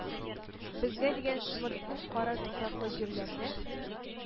Безгә дигән шомырт күк кара туфраклы җирләрне,